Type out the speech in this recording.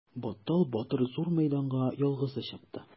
Баттал батыр зур мәйданга ялгызы чыкты.